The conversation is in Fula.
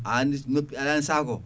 a andi noppi aɗa andi sac o